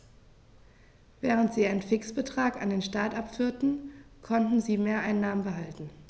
Während sie einen Fixbetrag an den Staat abführten, konnten sie Mehreinnahmen behalten.